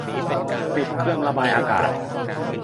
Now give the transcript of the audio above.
ปิดเครื่องระบายอากาศ